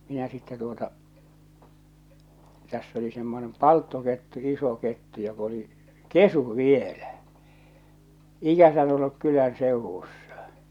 minä sitten tuota tässä oli semmoinen palttokettu iso kettu joka oli kesy vielä ikänsä ollut kylän seudussa